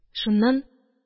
Шуннан: